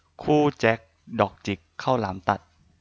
คู่แจ็คดอกจิกข้าวหลามตัด